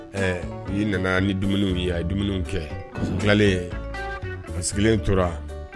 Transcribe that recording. Ɛ' nana ni dumuniw ye a ye dumuniw kɛ tilalen sigilen tora